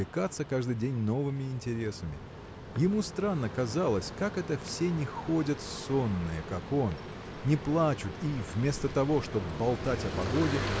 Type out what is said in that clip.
увлекаться каждый день новыми интересами. Ему странно казалось как это все не ходят сонные как он не плачут и вместо того чтоб болтать о погоде